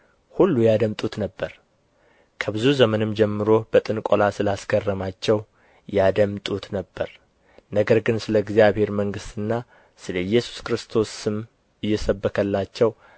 ሁሉ ያደምጡት ነበር ከብዙ ዘመንም ጀምሮ በጥንቈላ ስላስገረማቸው ያደምጡት ነበር ነገር ግን ስለ እግዚአብሔር መንግሥትና ስለ ኢየሱስ ክርስቶስ ስም እየሰበከላቸው